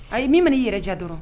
A ye min mana i yɛrɛja dɔrɔn